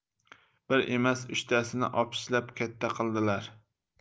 bir emas uchtasini opichlab katta qildilar